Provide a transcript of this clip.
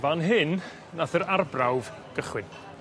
Fan hyn nath yr arbrawf gychwyn.